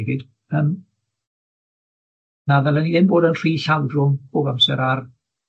yym na ddylen i ddim bod yn rhy llawdrwm bob amser ar